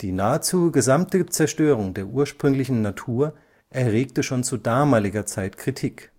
nahezu gesamte Zerstörung der ursprünglichen Natur erregte schon zu damaliger Zeit Kritik